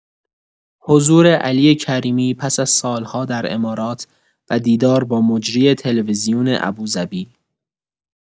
حضور علی کریمی پس از سال‌ها در امارات و دیدار با مجری تلوزیون ابوظبی